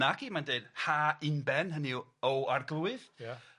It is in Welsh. Naci mae'n deud ha unben hynny yw o arglwydd... Ia.